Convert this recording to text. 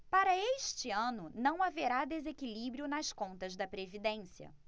para este ano não haverá desequilíbrio nas contas da previdência